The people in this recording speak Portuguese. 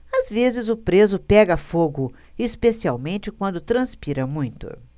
às vezes o preso pega fogo especialmente quando transpira muito